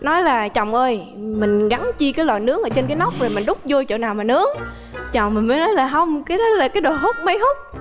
nói là chồng ơi mình gắn chi cái lò nướng ở trên cái nóc và mình đút vô chỗ nào mà nướng chồng mình mới nói là không cái đó là cái đồ hút máy hút